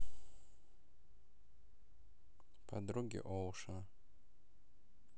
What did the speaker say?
подруги оушена